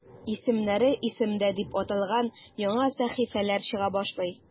"исемнәре – исемдә" дип аталган яңа сәхифәләр чыга башлый.